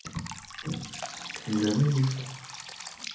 гамми мишки